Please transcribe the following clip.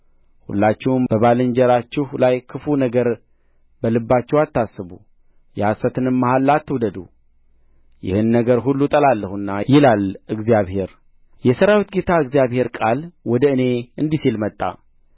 ሁላችሁም በባልንጀራችሁ ላይ ክፉን ነገር በልባችሁ አታስቡ የሐሰትንም መሐላ አትውደዱ ይህን ነገር ሁሉ እጠላለሁና ይላል እግዚአብሔር የሠራዊት ጌታ የእግዚአብሔር ቃል ወደ እኔ እንዲህ ሲል መጣ